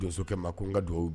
Donsokɛ ma ko n ka dugawu